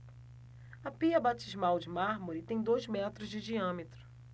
a pia batismal de mármore tem dois metros de diâmetro